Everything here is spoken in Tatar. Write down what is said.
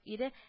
Ире